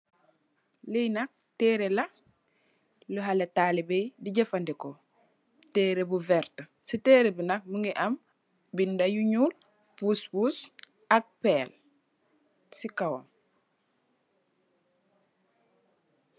Li nak teré la yu xalèh talibeh yi di jafandiko. Teré bu werta, si teré bi nak mugii am bindé yu ñuul, puss puss ak péél si kawam.